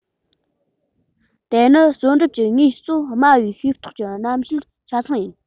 དེ ནི རྩོད སྒྲུབ ཀྱི དངོས གཙོ སྨྲ བའི ཤེས རྟོགས ཀྱི རྣམ བཤད ཆ ཚང ཡིན